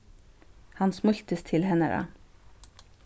hann smíltist til hennara